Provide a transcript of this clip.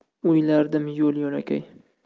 o'ylardim yo'l yo'lakay